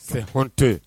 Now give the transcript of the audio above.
C'est honteux